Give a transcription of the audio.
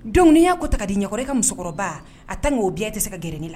Donc n'i y'a ko ta ka da i ɲɛkɔrɔ e ka musokɔrɔbaa en temps que o bɛ yan e tɛ se ka gɛrɛ ne la